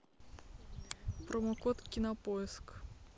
промокод кинопоиск